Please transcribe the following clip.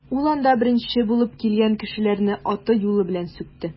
Ул анда беренче булып килгән кешеләрне аты-юлы белән сүкте.